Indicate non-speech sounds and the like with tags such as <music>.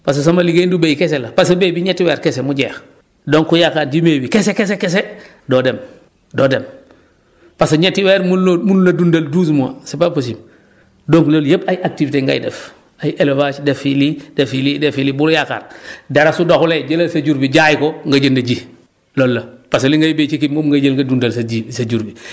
parce que sama liggéey du béy kese la parce que béy bi énetti weer kese mu jeex donc yaakaar ci mbéy bi kese kese kese doo dem doo dem parce que ñetti weer mënuloo mënul a dundal douze mois c' est pas possible donc loolu yëpp ay activités ngay def ay élevages def fii lii def fii lii def fii lii bul yaakaar <breath> dara su doxulee jëlal sa jur bi jaay ko nga jënd ji loolu la parce que li ngay béy ci kii bi moom ngay jël nga dundal sa ji bi sa jur bi <breath>